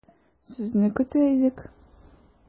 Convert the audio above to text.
Сезне көтә идек.